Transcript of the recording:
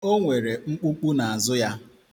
O nwere mkpukpu n'azụ ya.